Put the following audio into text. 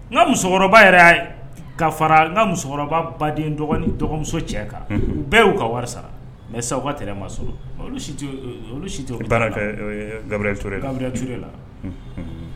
N ka musokɔrɔba yɛrɛ ka fara n ka musokɔrɔba baden dɔgɔnin dɔgɔmuso cɛ kan u bɛɛ y'u ka wari sara mais sisan u ka terrain ma sɔrɔ olu si tɛ, olu si tɛ, Baara kɛ Gabriel Touré la, Gabriel Touré la.